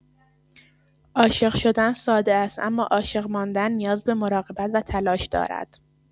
عاشق‌شدن ساده است اما عاشق ماندن نیاز به مراقبت و تلاش دارد.